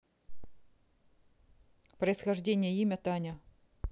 происхождение имя таня